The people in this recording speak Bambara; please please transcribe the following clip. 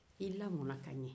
i lamɔna ka ɲɛ